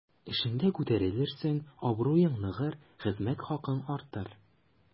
Эшеңдә күтәрелерсең, абруең ныгыр, хезмәт хакың артыр.